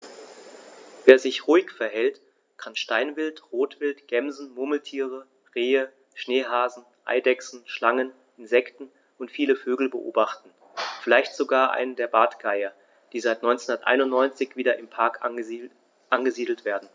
Wer sich ruhig verhält, kann Steinwild, Rotwild, Gämsen, Murmeltiere, Rehe, Schneehasen, Eidechsen, Schlangen, Insekten und viele Vögel beobachten, vielleicht sogar einen der Bartgeier, die seit 1991 wieder im Park angesiedelt werden.